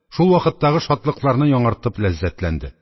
Шул вакыттагы шатлыкларны яңартып ләззәтләнде